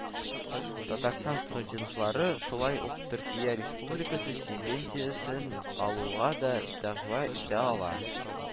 Татарстан студентлары шулай ук Төркия Республикасы стипендиясен алуга да дәгъва итә ала